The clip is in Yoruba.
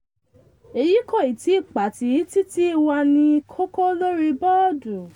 Eyi koiti Pati titi waa ni koko Lori boodu.